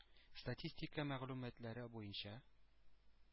Статистика мәгълүматлары буенча,